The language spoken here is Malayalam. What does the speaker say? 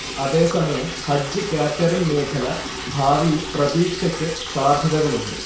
അതേസമയം ഹജജ് കാറ്ററിംഗ് മേഖല ഭാവിയിൽ പ്രതീക്ഷക്ക് സാധ്യതകളുണ്ട്